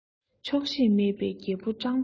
ཆོག ཤེས མེད པའི རྒྱལ པོ སྤྲང པོ རེད